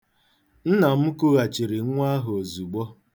Nna m kughachiri nwa ahụ ozugbo.